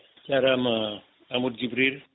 jarama Amadou Djibril